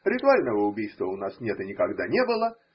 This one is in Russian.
Ритуального убийства у нас нет и никогда не было